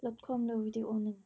ลดความเร็ววีดีโอหนึ่ง